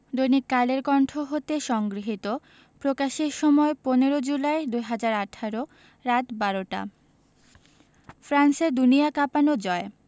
দৈনিক কালের কন্ঠ হতে সংগৃহীত প্রকাশের সময় ১৫ জুলাই ২০১৮ রাত ১২টা ফ্রান্সের দুনিয়া কাঁপানো জয়